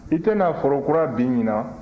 i tɛna foro kura bin ɲinan